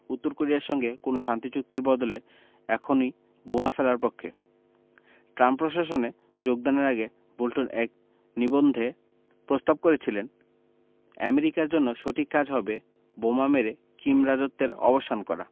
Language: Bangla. উত্তর কোরিয়ার সঙ্গে কোনো শান্তি চুক্তির বদলে এখনই বোমা ফেলার পক্ষে ট্রাম্প প্রশাসনে যোগদানের আগে বোল্টন এক নিবন্ধে প্রস্তাব করেছিলেন আমেরিকার জন্য সঠিক কাজ হবে বোমা মেরে কিম রাজত্বের অবসান করা